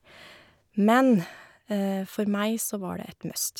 Men for meg så var det et must.